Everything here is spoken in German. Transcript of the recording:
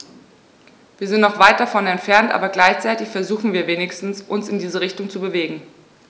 Wir sind noch weit davon entfernt, aber gleichzeitig versuchen wir wenigstens, uns in diese Richtung zu bewegen.